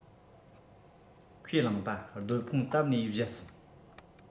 ཁས བླངས པ སྡོང ཕུང བཏབས ནས བཞད སོང